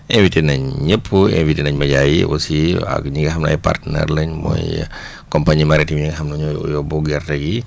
invité nañ ñëpp invité nañ média yi aussi ak ñi nga xam ne ay partenaires lañ mooy compagnie maritime yi nga xam ne ñooy yóbbu gerte gi